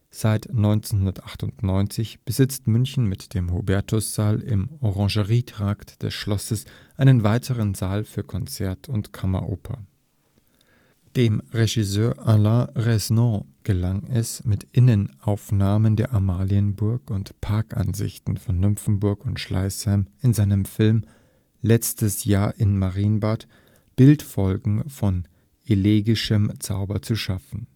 Seit 1998 besitzt München mit dem Hubertussaal im Orangerietrakt des Schlosses einen weiteren Saal für Konzert und Kammeroper. Dem Regisseur Alain Resnais gelang es, mit Innenaufnahmen der Amalienburg und Parkansichten von Nymphenburg und Schleißheim in seinem Film „ Letztes Jahr in Marienbad “(1961) Bildfolgen von elegischem Zauber zu schaffen